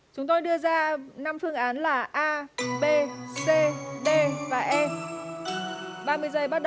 chúng tôi đưa ra năm phương án là a bê xê xê đê và e ba mươi giây bắt